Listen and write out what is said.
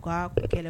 Ko ko kɛlɛ